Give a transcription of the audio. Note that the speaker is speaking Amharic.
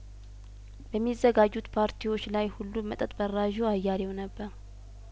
በሚ ዘጋጁት ፓርቲዎች ላይ ሁሉ መጠጥ በራዡ አያሌው ነበር